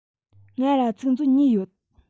ང ལ ཚིག མཛོད གཉིས ཡོད